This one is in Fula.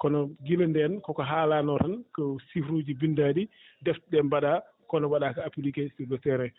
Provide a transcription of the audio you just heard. kono gila ndeen koko haalanoo tan ko chiffres uuji binndaaɗi defte ɗee mbaɗaa kono waɗaaka appliqué e sur le terrain